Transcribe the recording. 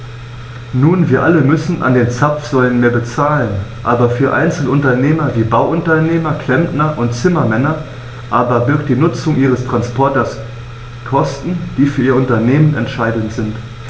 Nun wir alle müssen an den Zapfsäulen mehr bezahlen, aber für Einzelunternehmer wie Bauunternehmer, Klempner und Zimmermänner aber birgt die Nutzung ihres Transporters Kosten, die für ihr Unternehmen entscheidend sind.